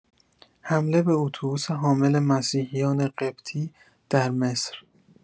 حمله به اتوبوس حامل مسیحیان قبطی در مصر